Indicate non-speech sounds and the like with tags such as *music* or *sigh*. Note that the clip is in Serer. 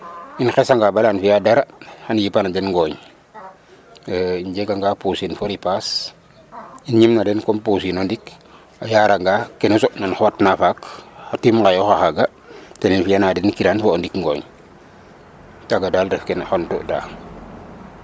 Um xesanga bo yaam fi'aa dara xan yipan a den gooñ *hesitation* um jeganga pursiin fo ripaas um ñimna den comme pursin o ndik a yaranga kene soɓna nqes na faak xa tim ngayoox axanga ten um fi'an a den kirand fo o ndik ngooñ kene daal ref ken xontuta.